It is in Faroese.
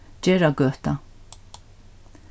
gerðagøta